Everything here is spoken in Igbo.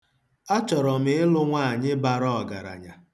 Achọrọ m ịlụ nwaanyị bara ọgaranya.